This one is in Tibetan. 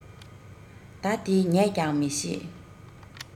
ད དེ ངས ཀྱང མི ཤེས